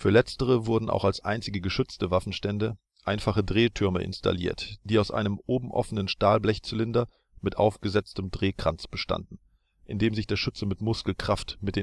letztere wurden auch als einzige geschützte Waffenstände einfache Drehtürme installiert, die aus einem oben offenen Stahlblechzylinder mit aufgesetztem Drehkranz bestanden, in dem sich der Schütze mit Muskelkraft mit